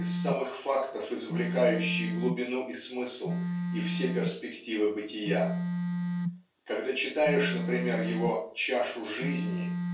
из самых фактов извлекающий глубину и смысл и все перспективы бытия. Когда читаешь например его "Чашу жизни"